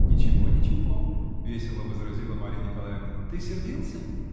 -- Ничего, ничего, -- весело возразила Марья Николаевна. -- Ты сердился ?